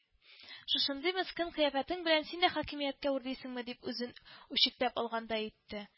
“шушындый мескен кыяфәтең белән син дә хакимияткә үрлисеңме?”—дип үзен үчекләп алгандай итте